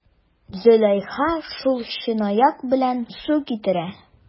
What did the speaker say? Зөләйха шул чынаяк белән су китерә.